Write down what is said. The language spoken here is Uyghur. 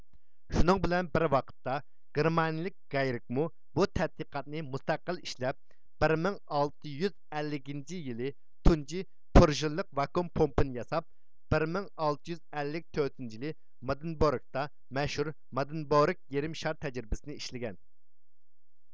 شۇنىڭ بىلەن بىر ۋاقىتتا گېرمانىيىلىك گايرىكمۇ بۇ تەتقىقاتنى مۇستەقىل ئىشلەپ بىر مىڭ ئالتە يۈز ئەللىكىنچى يىلى تۇنجى پۇرشىنلىق ۋاكۇئۇم پومپىنى ياساپ بىر مىڭ ئالتە يۈز ئەللىك تۆتىنچى يىلى مادىنبورۇگتا مەشھۇر مادېنبورۇگ يېرىم شار تەجرىبىسىنى ئىشلىگەن